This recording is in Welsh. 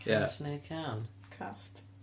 Ia. Cas neu cân. Cast.